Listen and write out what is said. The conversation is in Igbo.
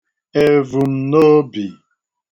èvùmnobì